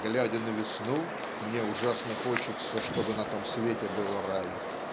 "Глядя на весну, мне ужасно хочется, чтобы на том свете был рай".